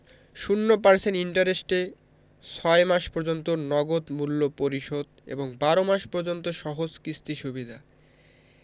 ০% ইন্টারেস্টে ৬ মাস পর্যন্ত নগদ মূল্য পরিশোধ এবং ১২ মাস পর্যন্ত সহজ কিস্তি সুবিধা